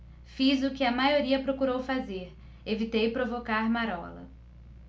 fiz o que a maioria procurou fazer evitei provocar marola